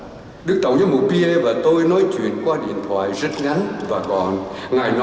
đức tổng giám mục kìa và tôi nói chuyện qua điện thoại rất ngắn và gọn ngài nói